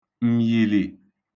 m̀yìlì